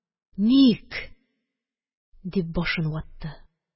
Ник?» – дип башын ватты.